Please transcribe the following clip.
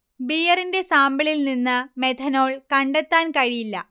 ബിയറിന്റെ സാമ്പിളിൽ നിന്ന് മെഥനൊൾ കണ്ടെത്താൻ കഴിയില്ല